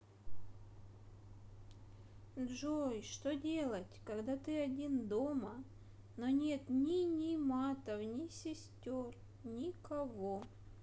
джой что делать когда ты один дома но нет ни ни матов ни сестер никого